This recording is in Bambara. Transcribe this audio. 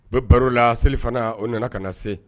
Bɛ baro la selifana o nana ka na se